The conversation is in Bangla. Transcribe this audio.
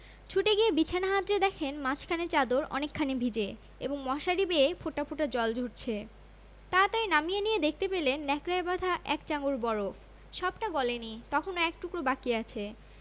ছুটে গিয়ে বিছানা হাতড়ে দেখেন মাঝখানে চাদর অনেকখানি ভিজে এবং মশারি বেয়ে ফোঁটা ফোঁটা জল ঝরছে তাড়াতাড়ি নামিয়ে নিয়ে দেখতে পেলেন ন্যাকড়ায় বাঁধা এক চাঙড় বরফ সবটা গলেনি তখনও এক টুকরো বাকি আছে